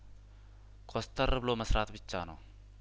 ኮስተር ብሎ መስራት ብቻ ነው